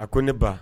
A ko ne ba